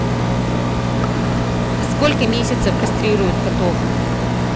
во сколько месяцев кастрируют котов